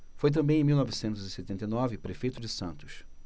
foi também em mil novecentos e setenta e nove prefeito de santos